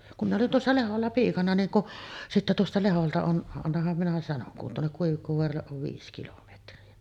kun minä olin tuossa Lehdolla piikana niin kun sitten tuosta Lehdolta on annahan minä sanon kun tuonne Kuivikkovaaralle on viisi kilometriä